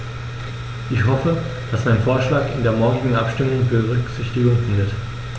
Ich hoffe, dass mein Vorschlag in der morgigen Abstimmung Berücksichtigung findet.